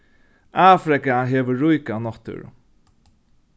afrika hevur ríka náttúru